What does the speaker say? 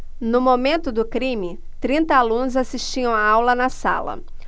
no momento do crime trinta alunos assistiam aula na sala